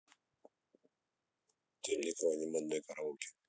темникова не модные караоке